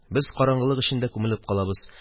Без караңгылык эчендә күмелеп калабыз